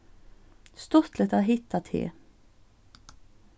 stuttligt at hitta teg